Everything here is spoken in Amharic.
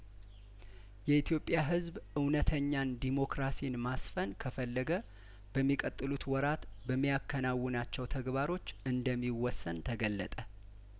የኢትዮጵያ ህዝብ እውነተኛን ዴሞክራሲን ማስፈን ከፈለገ በሚቀጥሉት ወራት በሚያከናው ናቸው ተግባሮች እንደሚወሰን ተገለጠ